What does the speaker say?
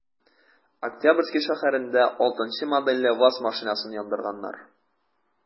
Октябрьский шәһәрендә 6 нчы модельле ваз машинасын яндырганнар.